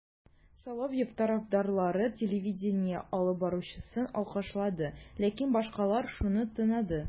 Соловьев тарафдарлары телевидение алып баручысын алкышлады, ләкин башкалар шуны таныды: